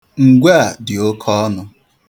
Ngwe a dị oke ọnụ.